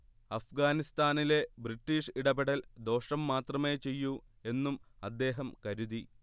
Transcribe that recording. അഫ്ഗാനിസ്താനിലെ British ഇടപെടൽ ദോഷം മാത്രമേ ചെയ്യൂ എന്നും അദ്ദേഹം കരുതി